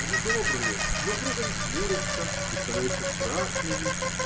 Они добрые; но вдруг они хмурятся и становятся страшными.